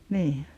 niin